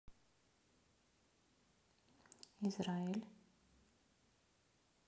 израиль